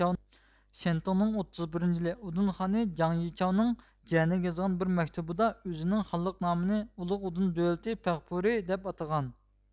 شيەنتۇڭنىڭ ئوتتۇز بىرىنچى يىلى ئۇدۇن خانى جاڭ يىچاۋنىڭ جىيەنىگە يازغان بىر مەكتۇبىدا ئۆزىنىڭ خانلىق نامىنى ئۇلۇغ ئۇدۇن دۆلىتى پەغپۇرى دەپ ئاتىغان